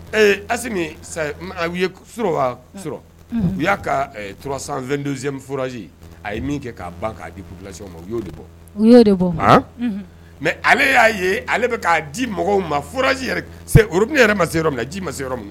Ee a a ye soroba sɔrɔ u y'a ka turasan2 fsi a ye min kɛ k'a ban k'a di plasi ma y' de bɔo de bɔ mɛ ale y'a ye ale bɛ'a di mɔgɔw ma fz yɛrɛ ma se yɔrɔ min minna ji ma se yɔrɔ min minna